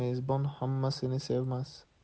mezbon hammasini sevmas